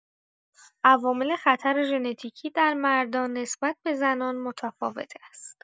عوامل خطر ژنتیکی در مردان نسبت به زنان متفاوت است.